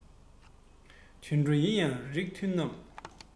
དུད འགྲོ ཡིན ཡང རིགས མཐུན རྣམས